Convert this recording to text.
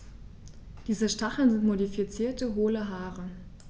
Diese Stacheln sind modifizierte, hohle Haare.